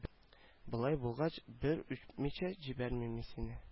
Болай булгач бер үпмичә җибәрмим мин сине